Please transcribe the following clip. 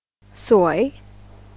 สวย